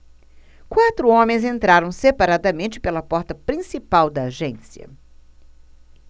quatro homens entraram separadamente pela porta principal da agência